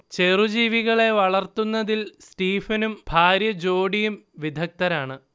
ചെറുജീവികളെ വളർത്തുന്നതിൽ സ്റ്റീഫനും ഭാര്യ ജോഡിയും വിദഗ്ധരാണ്